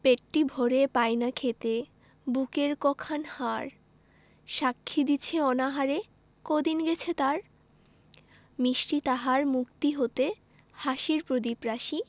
পেটটি ভরে পায়না খেতে বুকের কখান হাড় সাক্ষী দিছে অনাহারে কদিন গেছে তার মিষ্টি তাহার মুখ টি হতে হাসির প্রদিপ রাশি